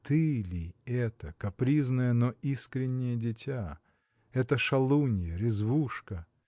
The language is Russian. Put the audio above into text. Ты ли это, капризное, но искреннее дитя? эта шалунья, резвушка?